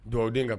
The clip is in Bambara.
Dugawuden ka